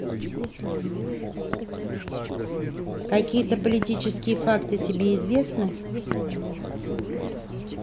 какие то политические факты тебе известны